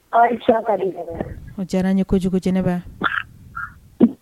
O diyara ye kojugu jɛnɛba